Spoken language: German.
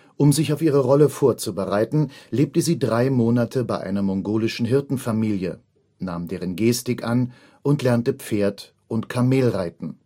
Um sich auf ihre Rolle vorzubereiten, lebte sie drei Monate bei einer mongolischen Hirtenfamilie, nahm deren Gestik an und lernte Pferd und Kamel reiten